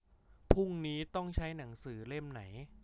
พรุ่งนี้ต้องใช้หนังสือเล่มไหน